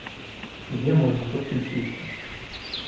где можно подключиться